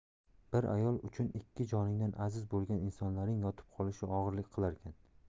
bir ayol uchun ikki joningdan aziz bo'lgan insonlarning yotib qolishi og'irlik qilarkan